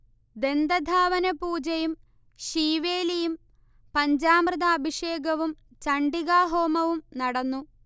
ദന്തധാവനപൂജയും ശീവേലിയും പഞ്ചാമൃത അഭിഷേകവും ചണ്ഡികാഹോമവും നടന്നു